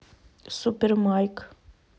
супер майк